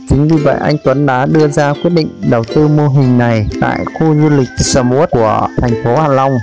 chính bởi vậy anh tuấn đã đưa ra quyết định đầu tư vào mô hình này tại khu du lịch sầm uất của thành phố hạ long